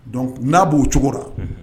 Don n'a b'o cogo la